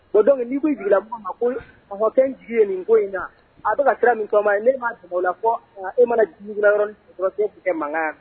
O don' ko ma a jigi ye nin ko in na a bɛ ka sira min kɔ ye ne ma' la fɔ e mana tigɛ mankan